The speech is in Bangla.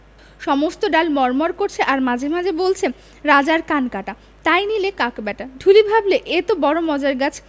সমস্ত ডাল মড়মড় করছে আর মাঝে মাঝে বলছে রাজার কান কাটা তাই নিলে কাক ব্যাটা ঢুলি ভাবলে এ তো বড়ো মজার গাছ